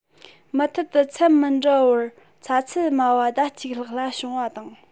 མུ མཐུད དུ ཚད མི འདྲ པར ཚ ཚད དམའ བ ཟླ གཅིག ལྷག ལ བྱུང བ དང